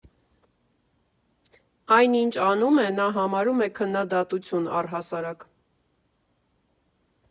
Այն, ինչ անում է, նա համարում է քննադատություն առհասարակ.